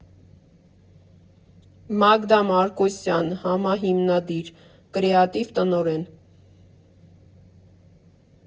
Մագդա Մարկոսյան համահիմնադիր, կրեատիվ տնօրեն։